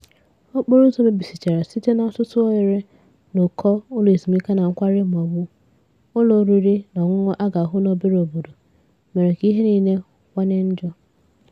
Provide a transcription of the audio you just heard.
Okporoụzọ mebisichara site n'ọtụtụ oghere na ụkọ ụlọezumike na nkwari maọbụ ụlọ oriri na ọṅụṅụ a ga-ahụ n'obere obodo mere ka ihe niile kawanye njọ.